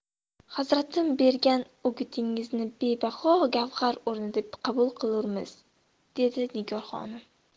hazratim bergan o'gitingizni bebaho gavhar o'rnida qabul qilurmiz dedi nigor xonim